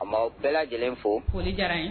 A ma bɛɛ lajɛlen fo diyara